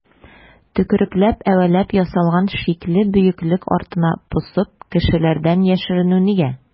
Төкерекләп-әвәләп ясалган шикле бөеклек артына посып кешеләрдән яшеренү нигә?